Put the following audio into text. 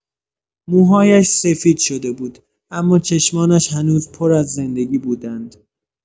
موهایش سفید شده بود، اما چشمانش هنوز پر از زندگی بودند.